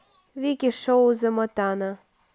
вики шоу замотана